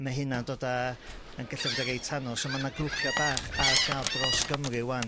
Ma' hynna'n dod a... Yn gallu bod yn reit anodd. So ma' 'na grwpia' bach ar ga'l dros Gymru wan.